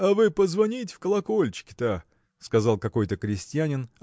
– А вы позвоните в колокольчики-то! – сказал какой-то крестьянин